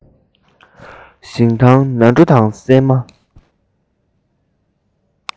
ཞིང ཐང ན གྲོ དང སྲན མ